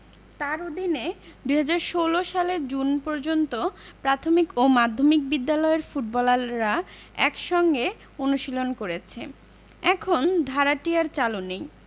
তাঁর অধীনে ২০১৬ সালের জুন পর্যন্ত প্রাথমিক ও মাধ্যমিক বিদ্যালয়ের ফুটবলাররা একসঙ্গে অনুশীলন করেছে এখন ধারাটি আর চালু নেই